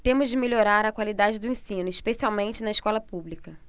temos de melhorar a qualidade do ensino especialmente na escola pública